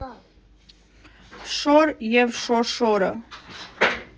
Շոր և Շորշորը։